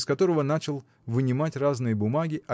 из которого начал вынимать разные бумаги